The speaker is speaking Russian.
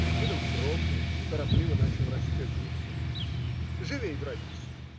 Никита вздрогнул и торопливо начал расстегиваться. - Живей, братец!